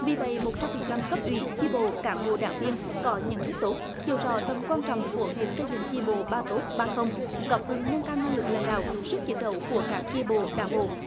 vì vậy một trăm phần trăm cấp ủy chi bộ cán bộ đảng viên có nhận thức tốt hiểu rõ tầm quan trọng của việc xây dựng chi bộ ba tốt ba không góp phần nâng cao năng lực lãnh đạo sức chiến đấu của các chi bộ đảng bộ